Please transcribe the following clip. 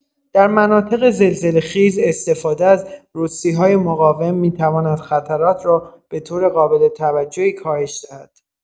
در مناطق زلزله‌خیز، استفاده از رسی‌های مقاوم می‌تواند خطرات را به‌طور قابل توجهی کاهش دهد.